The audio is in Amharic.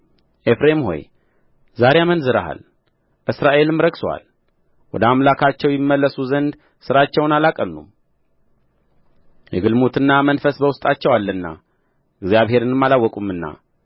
ኤፍሬም ሆይ ዛሬ አመንዝረሃል እስራኤልም ረክሶአል ወደ አምላካቸው ይመለሱ ዘንድ ሥራቸውን አላቀኑም የግልሙትና መንፈስ በውስጣቸው አለና እግዚአብሔርንም አላውቁምና